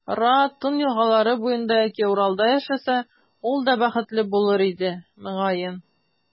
Ра, Тын елгалары буенда яки Уралда яшәсә, ул да бәхетле булыр иде, мөгаен.